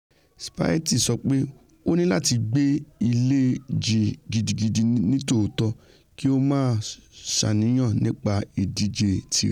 Spieth sọpe ''O níláti gbẹ́ ilẹ̀ jìn gidigidi nítòótọ́ kí ò maá ṣàníyàn nípa ìdíje tìrẹ̀''.